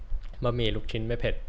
บะหมี่ลูกชิ้นไม่เผ็ด